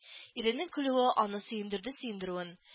Иренең көлүе аны сөендерде сөендерүен